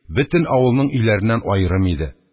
Бөтен авылның өйләреннән аерым иде.